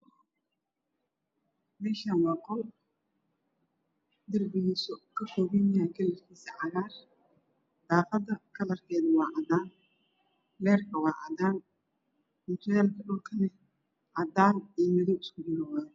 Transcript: Meshan wa Qol darbigisu kakobanyahay kalarkisu cagr daQada kalrkedu wa cadan letks wacadn mutulelka dhulka cadan iyo madow isku jiro wayo